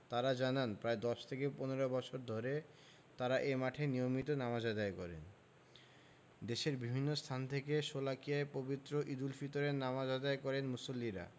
তাঁরা জানান প্রায় ১০ থেকে ১৫ বছর ধরে তাঁরা এ মাঠে নিয়মিত নামাজ আদায় করেন দেশের বিভিন্ন স্থান থেকে শোলাকিয়ায় পবিত্র ঈদুল ফিতরের নামাজ আদায় করেন মুসল্লিরা